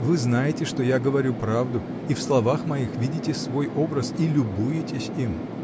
Вы знаете, что я говорю правду, и в словах моих видите свой образ и любуетесь им.